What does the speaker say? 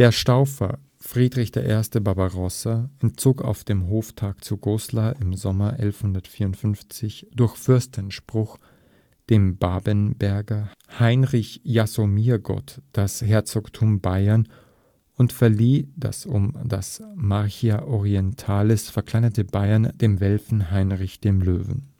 Staufer Friedrich I. Barbarossa entzog auf dem Hoftag zu Goslar im Sommer 1154 durch Fürstenspruch dem Babenberger Heinrich " Jasomirgott " das Herzogtum Bayern und verlieh das um die Marcha Orientalis verkleinerte Bayern dem Welfen Heinrich dem Löwen